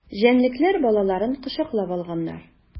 Җәнлекләр балаларын кочаклап алганнар.